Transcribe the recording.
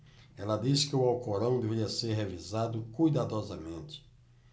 ela disse que o alcorão deveria ser revisado cuidadosamente